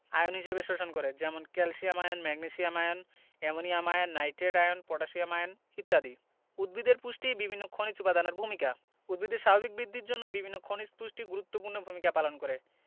ion হিসেবে শোষণ করে যেমন calcium ion magnesium ion ammonium ion nitrate ion potassium ion ইত্যাদি উদ্ভিদের পুষ্টি বিভিন্ন খনিজ উপাদানের ভূমিকা উদ্ভিদের স্বাভাবিক বিদ্ধির জন্য বিভিন্ন খনিজ পুষ্টি গুরুত্বপূর্ণ ভূমিকা পালন করে